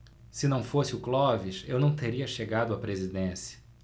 se não fosse o clóvis eu não teria chegado à presidência